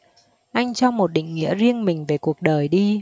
anh cho một định nghĩa riêng mình về cuộc đời đi